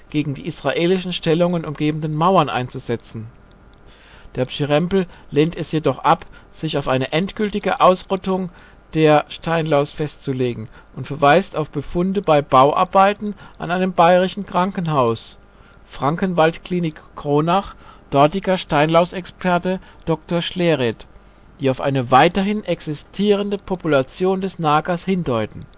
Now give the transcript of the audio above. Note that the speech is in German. die israelischen Siedlungen umgebenden Mauern einzusetzen. Der Pschyrembel lehnt es jedoch ab, sich auf eine endgültige Ausrottung der Steinlaus festzulegen und verweist auf Funde bei Bauarbeiten an einem bayrischen Krankenhaus (Frankenwaldklinik, Kronach, dortiger Steinlausexperte: Dr. Schlereth), die auf eine weiterhin existierende Population des Nagers hindeuten